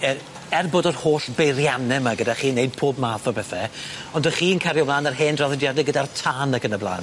...e- er bod yr holl beirianne 'my gyda chi neud pob math o bethe ond 'dych chi'n cario mlan a'r hen draddodiade gyda'r tân ag yn y bla'n.